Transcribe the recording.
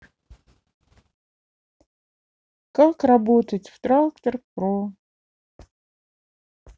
как работать в трактор про